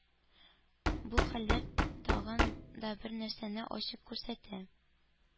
Бу хәлләр тагын да бер нәрсәне ачык күрсәтә: